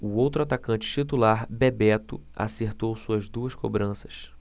o outro atacante titular bebeto acertou suas duas cobranças